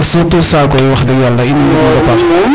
surtout ca koy wax deg yala in way ngimang a paax